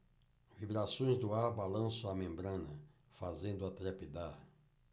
vibrações do ar balançam a membrana fazendo-a trepidar